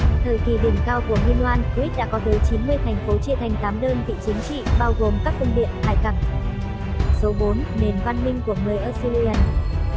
thời kỳ đỉnh cao của minoan crete đã có tới thành phố chia thành đơn vị chính trị bao gồm các cung điện hải cảng số nền văn minh của người assyrian